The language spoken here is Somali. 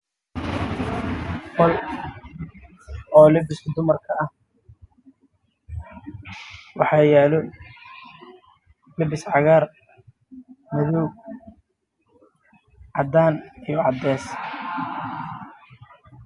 Waa carwo waxaa laga iibinayaa saakooyin dumar